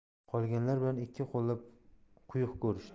qolganlar bilan ikki qo'llab quyuq so'rashdi